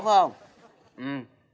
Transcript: không ừ